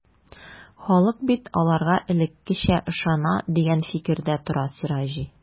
Халык бит аларга элеккечә ышана, дигән фикердә тора Сираҗи.